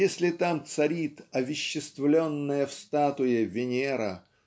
если там царит овеществленная в статуе Венера